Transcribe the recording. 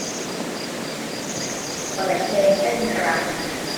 เปิดเพลงเต้นรำ